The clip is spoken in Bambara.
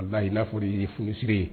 Wala i n'a fɔ de ye fsiriur ye